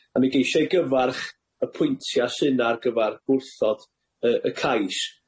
a mi geisia' i gyfarch yr pwyntia' sy' 'na ar gyfar gwrthod y y cais.